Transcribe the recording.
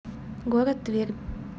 город тверь